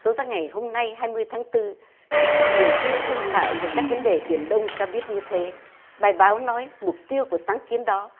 số ra ngày hôm nay hai mươi tháng tư trích các nguồn tin thông thạo về các vấn đề biển đông cho biết như thế bài báo nói mục tiêu của sáng kiến đó